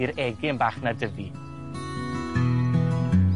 i'r egin bach 'na dyfu.